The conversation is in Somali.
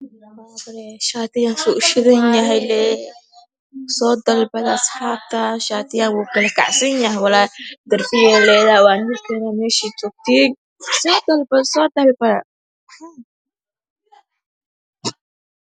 Meshan waxaa yalo shati